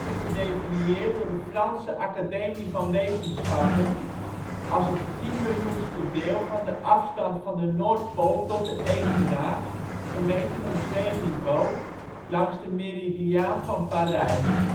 gedefinieerd door de Franse Academie van Wetenschappen als het tienmiljoenste deel van de afstand van de noordpool tot de evenaar, gemeten op zeeniveau, langs de meridiaan van Parijs